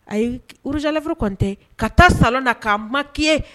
A ye wzlaf kɔntɛ ka taa salon na k'a ma'